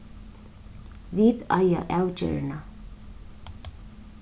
vit eiga avgerðina